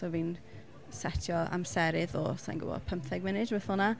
so fi'n setio amserydd o sa i'n gwybod pumtheg munud rywbeth fel 'na.